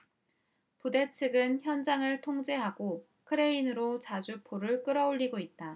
부대 측은 현장을 통제하고 크레인으로 자주포를 끌어올리고 있다